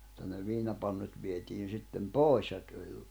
mutta ne viinapannut vietiin sitten pois ja tuli